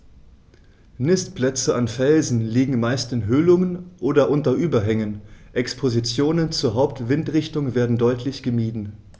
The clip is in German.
Nistplätze an Felsen liegen meist in Höhlungen oder unter Überhängen, Expositionen zur Hauptwindrichtung werden deutlich gemieden.